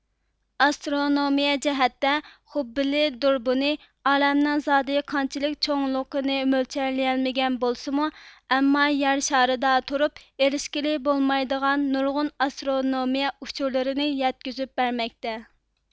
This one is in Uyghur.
ئاسترونومىيە جەھەتتە خۇببلې دۇربۇنى ئالەمنىڭ زادى قانچىلىك چوڭلۇقىنى مۆلچەرلىيەلمىگەن بولسىمۇ ئەمما يەر شارىدا تۇرۇپ ئېرىشكىلى بولمايدىغان نۇرغۇن ئاسترونومىيە ئۇچۇرلىرىنى يەتكۈزۈپ بەرمەكتە